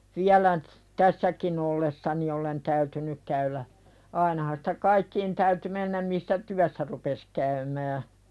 vielä nyt tässäkin ollessani olen täytynyt käydä ainahan sitä kaikkiin täytyy mennä missä työssä rupesi käymään